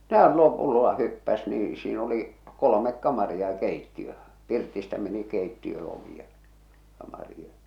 no hän lopulta hyppäsi niin siinä oli kolme kamaria ja keittiö pirtistä meni keittiön ovi ja kamari ja